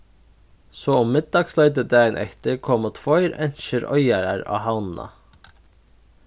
so um middagsleitið dagin eftir komu tveir enskir oyðarar á havnina